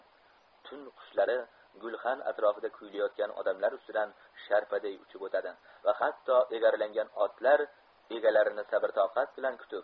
tun qushlari gulxan atrofida kuylayotgan odamlar ustidan sharpaday uchib o'tadi va hatto egarlangan otlar egalarini sabr toqat bilan kutib